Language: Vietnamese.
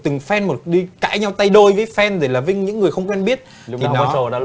từng phen một đi cãi nhau tay đôi với phen rồi là vinh những người không quen biết lúc đó đó